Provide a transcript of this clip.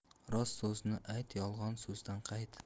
rost so'zni ayt yolg'on so'zdan qayt